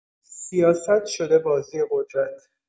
سیاست شده بازی قدرت.